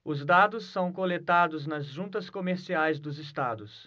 os dados são coletados nas juntas comerciais dos estados